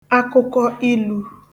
akụkọilū